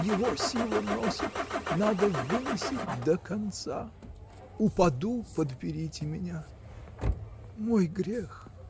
Его сила носит, — надо выносить до конца. Упаду — подберите меня. Мой грех!